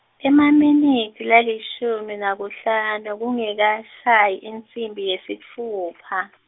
emaminitsi lalishumi nakuhlane kungekashayi insimbi yesitfupha.